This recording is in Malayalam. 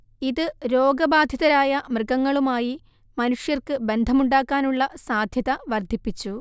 ഇത് രോഗബാധിതരായ മൃഗങ്ങളുമായി മനുഷ്യർക്ക് ബന്ധമുണ്ടാക്കാനുള്ള സാദ്ധ്യത വർദ്ധിപ്പിച്ചു